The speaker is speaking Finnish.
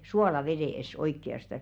suolavedessä oikeastaan